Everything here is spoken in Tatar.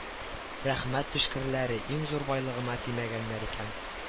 Рәхмәт төшкерләре иң зур байлыгыма тимәгәннәр икән